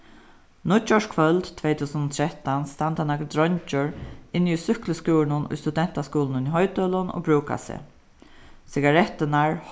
nýggjárskvøld tvey túsund og trettan standa nakrir dreingir inni í súkkluskúrinum í studentaskúlanum í hoydølum og brúka seg sigarettirnar